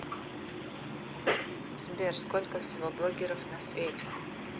сбер сколько всего блогеров на свете